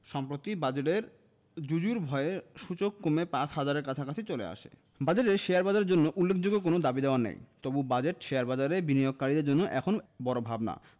সম্প্রতি বাজেটের জুজুর ভয়ে সূচক কমে ৫ হাজারের কাছাকাছি চলে আসে বাজেটে শেয়ারবাজারের জন্য উল্লেখযোগ্য কোনো দাবিদাওয়া নেই তবু বাজেট শেয়ারবাজারে বিনিয়োগকারীদের জন্য এখন বড় ভাবনা